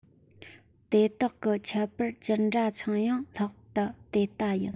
དེ དག གི ཁྱད པར ཅི འདྲ ཆུང ཡང ལྷག ཏུ དེ ལྟ ཡིན